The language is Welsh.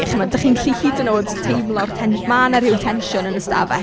Chimod dach chi'n gallu hyd yn oed teimlo'r tens-... ma' 'na ryw tensiwn yn y stafell.